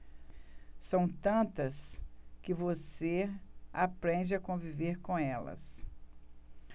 são tantas que você aprende a conviver com elas